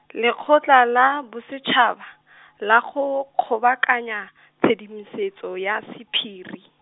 Lekgotla la Bosetšhaba , la go Kgobokanya , Tshedimosetso ya Sephiri.